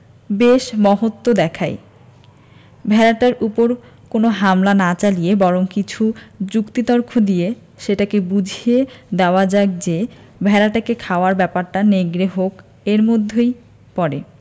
বেশ মহত্ব দেখায় ভেড়াটার উপর কোন হামলা না চালিয়ে বরং কিছু যুক্তি তর্ক দিয়ে সেটাকে বুঝিয়ে দেওয়া যাক যে ভেড়াটাকে খাওয়ার ব্যাপারটা নেগড়ে হক এর মধ্যেই পড়ে